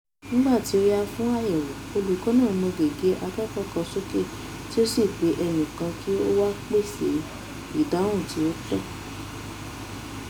Nígbà tó yá, fún àyẹ̀wò, olùkọ́ náà na gègé akẹ́kọ̀ọ́ kan sókè tí ó sì pe ẹnìkan kí ó wá pèsè ìdáhùn tí ó tọ́.